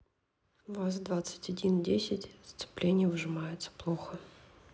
ваз двадцать один десять сцепление выжимается плохо